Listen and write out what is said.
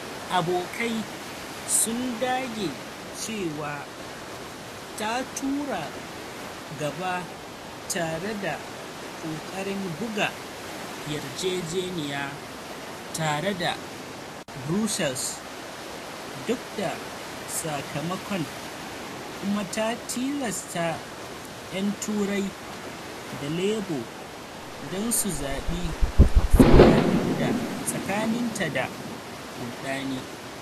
Abokai sun dage cewa ta tura gaba tare da ƙoƙarina buga yarjejeniyar tare da Brussels duk da sakamakon - kuma ta tilasta yan Turai da Labour don su zabi tsakaninta da 'rudani'.